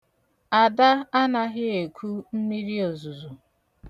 Ada anaghị eku mmiriozuzo.